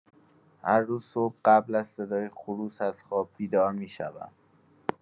هر روز صبح قبل از صدای خروس از خواب بیدار می‌شوم.